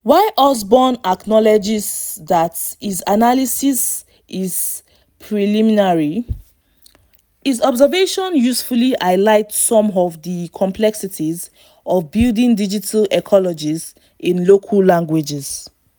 While Osborn acknowledges that his analysis is preliminary, his observations usefully highlight some of the complexities of building digital ecologies in local languages.